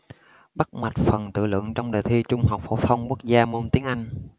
bắt mạch phần tự luận trong đề thi trung học phổ thông quốc gia môn tiếng anh